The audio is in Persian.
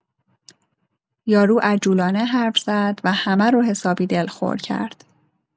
یارو عجولانه حرف زد و همه رو حسابی دلخور کرد.